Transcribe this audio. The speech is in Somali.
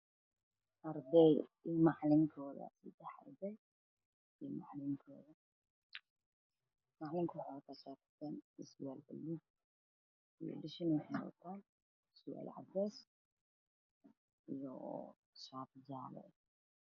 Meeshan way iskuul waxaa yaalo kuraas badan iyo miisas badan kuraasta ka midabkooda waa caddaan mise si kalarkoodna waa madow